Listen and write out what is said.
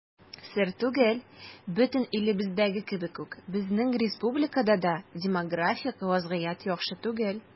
Сер түгел, бөтен илебездәге кебек үк безнең республикада да демографик вазгыять яхшы түгел.